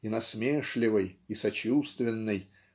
и насмешливой, и сочувственной,